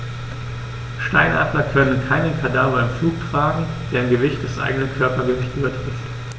Steinadler können keine Kadaver im Flug tragen, deren Gewicht das eigene Körpergewicht übertrifft.